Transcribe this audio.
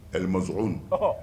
Ezɔnw